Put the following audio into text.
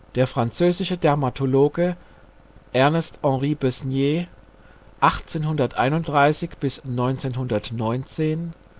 Der französische Dermatologe Ernest Henri Besnier (1831 - 1919) beschrieb